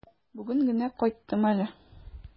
Бүген генә кайттым әле.